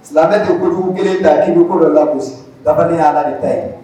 Silamɛ jogojugu 1 ta k'i be ko dɔ lagosi dafalenya ye Ala de ta ye